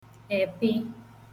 èpị